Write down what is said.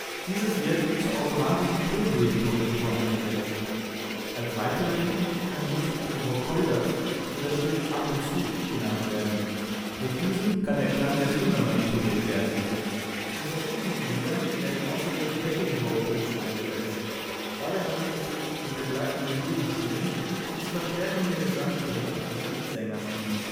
Dieses wird zur automatischen Tonhöhenkorrektur eingesetzt. Als weitere Technik kann die Nutzung eines Vocoders für das Stück Ab und zu genannt werden. Mit diesem kann der Klang der Stimme manipuliert werden. In verschiedenen Liedern werden außerdem Backing Vocals eingesetzt. Dabei handelt es sich um begleitende Nebenstimmen, die zur Verstärkung der Gesangsstimme des Leadsängers dienen